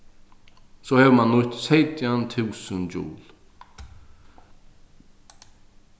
so hevur mann nýtt seytjan túsund joule